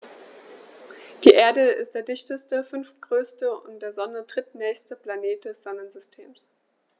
Die Erde ist der dichteste, fünftgrößte und der Sonne drittnächste Planet des Sonnensystems.